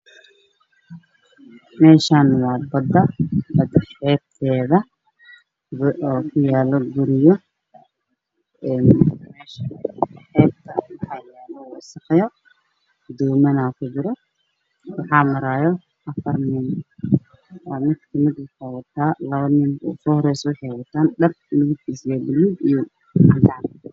Waa bada xeeb teeda waxaa ku yaalo guryo wasaq ayaa taalo